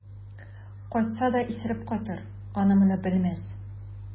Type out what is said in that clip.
Кайтса да исереп кайтыр, аны-моны белмәс.